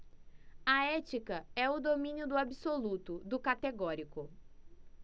a ética é o domínio do absoluto do categórico